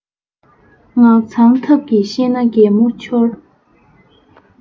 ངག མཚང ཐབས ཀྱིས ཤེས ན གད མོ འཆོར